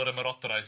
yr ymyrodraeth.